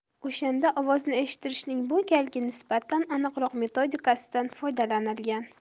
o'shanda ovozni eshittirishning bu galgi nisbatan aniqroq metodikasidan foydalanilgan